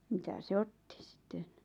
mitä se otti sitten